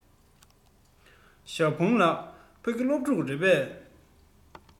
ཞའོ ཧྥུང ལགས ཕ གི སློབ ཕྲུག རེད པས